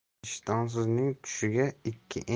ishtonsizning tushiga ikki